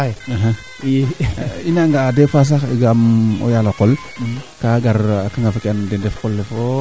\